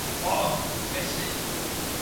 Ond felly